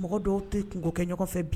Mɔgɔ dɔw tɛ kunko kɛ ɲɔgɔnfɛ bi